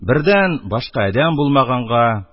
Бердән, башка адәм булмаганга